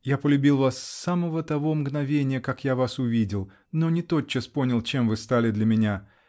Я полюбил вас с самого того мгновенья, как я вас увидел, -- но не тотчас понял, чем вы стали для меня!